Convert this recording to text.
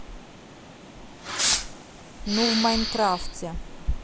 ну в майнкрафте